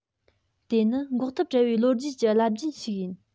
དེ ནི འགོག ཐབས བྲལ བའི ལོ རྒྱུས ཀྱི རླབས རྒྱུན ཞིག ཡིན